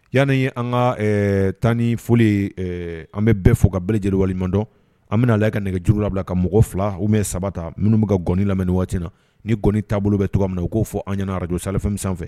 Yanii an ŋaa ɛɛ taa nii fɔli yee ɛɛ an be bɛɛ fo ka bɛɛ lajɛlen waleɲumandɔn an ben'a lajɛ ka nɛgɛjuru labila ka mɔgɔ 2 ou bien 3 ta minnu be ka gɔni lamɛ ni waati in na ni gɔni taabolo be togoya min na u k'o fɔ an ɲɛna Radio Sahel FM sanfɛ